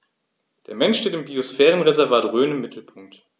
Der Mensch steht im Biosphärenreservat Rhön im Mittelpunkt.